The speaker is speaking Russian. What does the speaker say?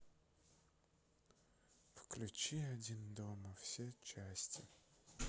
включи один дома все части